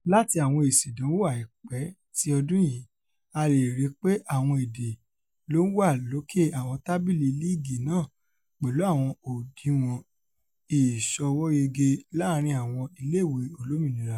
Láti àwọn èsì ìdánwò àìpẹ́ ti ọdún yìí, a leè ríi pé àwọn èdè ló ńwà lókè àwọn tábìlì líìgí náà pẹ̀lú àwọn òdiwọn ìṣọwọ́yege láàrin àwọn ilé ìwé olómìnira.